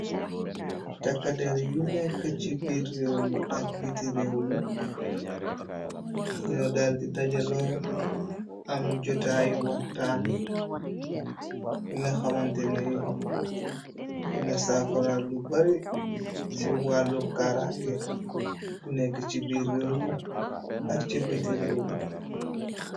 Takkader yu nekk ci biir réew mi ak biti réew mi ñoo dal di dajaloo am jotaayi wataam bi nga xamante ni dina saafaral lu bare ci wàllu kaarange gu nekk ci biir réew mi ak ci biti réew mi.